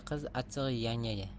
qiz achchig'i yangaga